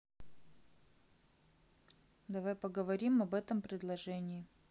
давай поговорим об этом предложении